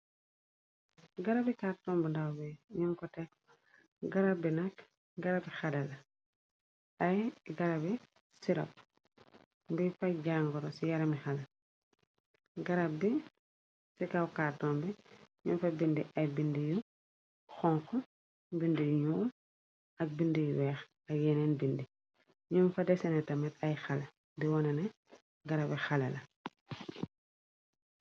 garabi kaar tomb ndawbe ñuon ko tek garab bi nak garabi xae a ay garabi sirop buy faj jangoro ci yarami xala garab bi ci kawkar tombe ñoom fa bindi ay bind yu xonk bind yuñuo ak bindi yu weex ak yeneen bindi ñoom fa deseene tamet ay xala di wonane garabi xala la